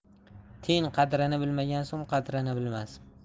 tiyin qadrini bilmagan so'm qadrini bilmas